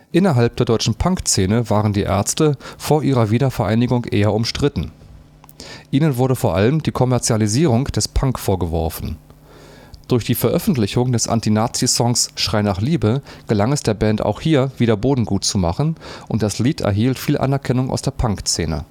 Innerhalb der deutschen Punkszene waren Die Ärzte vor ihrer Wiedervereinigung eher umstritten. Ihnen wurde vor allem die Kommerzialisierung des Punk vorgeworfen. Durch die Veröffentlichung des Anti-Nazi-Songs „ Schrei nach Liebe “gelang es der Band auch hier wieder Boden gutzumachen und das Lied erhielt viel Anerkennung aus der Punkszene